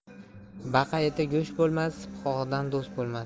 baqa eti go'sht bo'lmas sipohidan do'st bo'lmas